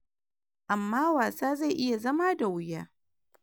Amma wasa zai iya zama da wuya.